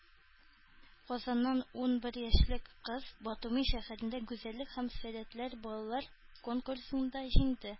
Казаннан ун бер яшьлек кыз Батуми шәһәрендә гүзәллек һәм сәләтләр балалар конкурсында җиңде